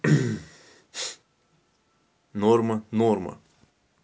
норма норма